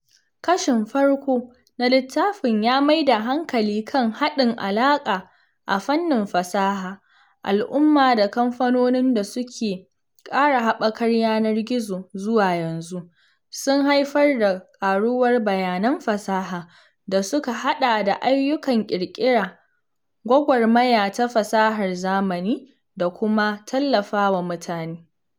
Kashin farko na littafin ya mai da hankali kan haɗin alaƙa a fannin fasaha, al’umma da kamfanonin da suke ƙara haɓakar yanar gizo zuwa yanzu, sun haifar da ƙaruwar “bayanan fasaha” da suka haɗa da ayyukan ƙirƙira, gwagwarmaya ta fasahar zamani, da kuma tallafawa mutane.